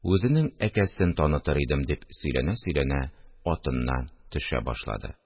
Үзенең әкәсен танытыр идем! – дип сөйләнә-сөйләнә, атыннан төшә башлады